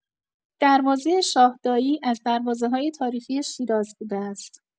دروازه شاهداعی از دروازه‌های تاریخی شیراز بوده است.